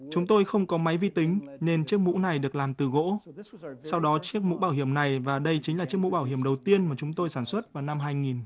chúng tôi không có máy vi tính nên chiếc mũ này được làm từ gỗ sau đó chiếc mũ bảo hiểm này và đây chính là chiếc mũ bảo hiểm đầu tiên mà chúng tôi sản xuất vào năm hai nghìn